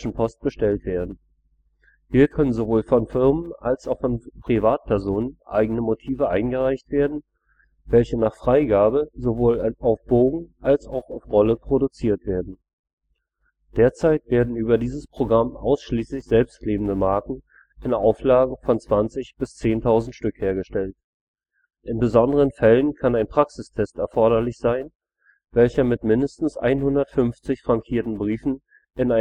Post bestellt werden. Hier können sowohl von Firmen als auch von Privatpersonen eigene Motive eingereicht werden, welche nach Freigabe sowohl auf Bogen als auch auf Rolle produziert werden. Derzeit werden über dieses Programm ausschließlich selbstklebende Marken in Auflagen von 20 bis 10000 Stück hergestellt. In besonderen Fällen kann ein Praxistest erforderlich sein, welcher mit mindestens 150 frankierten Briefen in